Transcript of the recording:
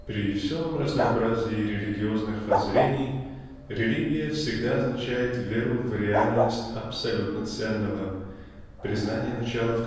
При всем разнообразии религиозных воззрений религия всегда означает веру в реальность абсолютно-ценного признание начала